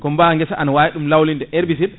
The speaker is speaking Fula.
ko mba guessa ana wawi ɗum lawlinde herbicide